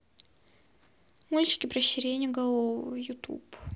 мультики про сиреноголового ютуб